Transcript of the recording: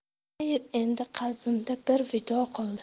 xayr endi qalbimda bir vido qoldi